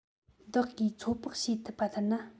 བདག གིས ཚོད དཔག བྱེད ཐུབ པ ལྟར ན